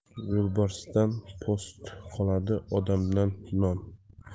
yo'lbarsdan po'st qoladi odamdan nom